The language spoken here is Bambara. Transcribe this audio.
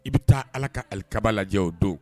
I bɛ taa ala ka ali kababa lajɛ o don